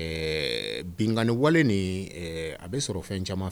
Ɛɛ binkan ni wale ni a bɛ sɔrɔ fɛn caman fɛ